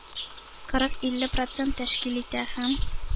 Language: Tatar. Кырык илле процент тәшкил итә һәм